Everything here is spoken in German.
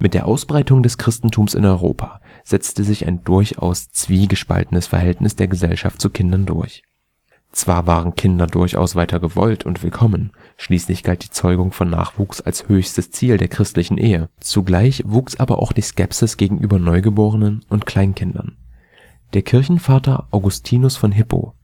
der Ausbreitung des Christentums in Europa setzte sich ein durchaus zwiegespaltenes Verhältnis der Gesellschaft zu Kindern durch. Zwar waren Kinder durchaus weiter gewollt und willkommen. Schließlich galt die Zeugung von Nachwuchs als höchstes Ziel der christlichen Ehe. Zugleich wuchs aber auch die Skepsis gegenüber Neugeborenen und Kleinkindern. Der Kirchenvater Augustinus von Hippo